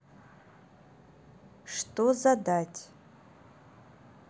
что задать